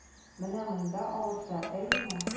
Менә монда авырта, әйеме?